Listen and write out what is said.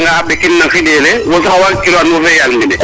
a pare anga a ɓekin no fiɗele wo sax waag kino an wofe yaal mbine